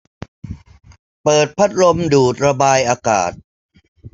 เปิดพัดลมดูดระบายอากาศ